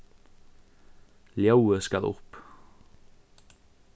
ljóðið skal upp